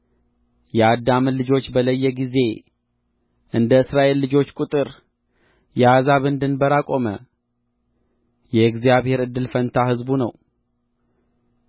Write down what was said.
የአዳምን ልጆች በለየ ጊዜ እንደ እስራኤል ልጆች ቍጥርየአሕዛብን ድንበር አቆመ የእግዚአብሔር እድል ፈንታ ሕዝቡ ነው